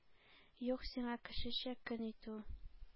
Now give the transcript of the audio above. Юк сиңа кешечә көн итү,